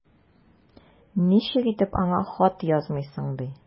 Ничек итеп аңа хат язмыйсың ди!